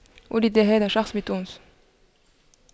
ولد هذا الشخص بتونس